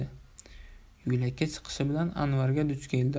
yo'lakka chiqishi bilan anvarga duch keldi